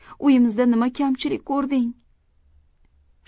uyimizda nima kamchilik ko'rding